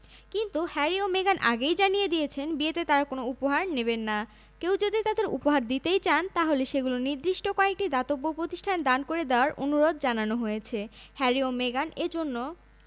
butter cream ও তাজা ফুল দিয়ে সাজানো সেই কেকে থাকবে বসন্তের ছোঁয়া বাকি খাবারের নাম এখনো অজানাই রয়েছে বিয়ের নৈশভোজে আমন্ত্রিত ব্যক্তিরাই কেবল সেসব খাবারের স্বাদ চেখে দেখতে পারবেন